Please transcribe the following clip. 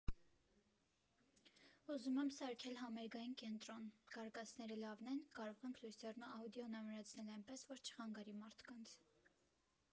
«Ուզում եմ սարքել համերգային կենտրոն, կարկասները լավն են, կարող ենք լույսերն ու աուդիոն ամրացնել այնպես, որ չխանգարի մարդկանց»։